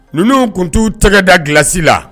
Ninnu tun t'u tɛgɛ da glace la